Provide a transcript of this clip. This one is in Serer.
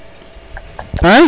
a